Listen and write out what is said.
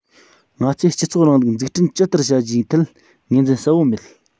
ང ཚོས སྤྱི ཚོགས རིང ལུགས འཛུགས སྐྲུན ཇི ལྟར བྱ རྒྱུའི ཐད ངོས འཛིན གསལ པོ མེད